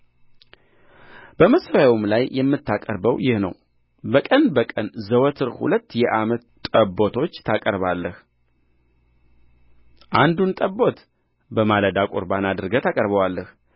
በመሠዊያውም ላይ የምታቀርበው ይህ ነው በቀን በቀን ዘወትር ሁለት የዓመት ጠቦቶች ታቀርባለህ አንዱን ጠቦት በማለዳ ቍርባን አድርገህ ታቀርበዋለህ